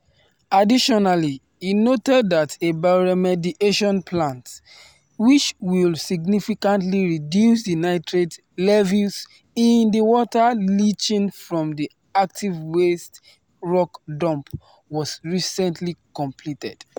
Additionally, he noted that a bioremediation plant, which will significantly reduce the nitrate levels in the water leaching from the active waste rock dump, was recently completed.